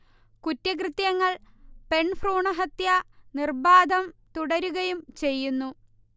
കുറ്റകൃത്യങ്ങൾ, പെൺഭ്രൂണഹത്യ നിർബാധം തുടരുകയും ചെയ്യുന്നു